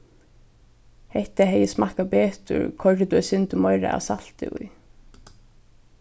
hetta hevði smakkað betur koyrdi tú eitt sindur meira av salti í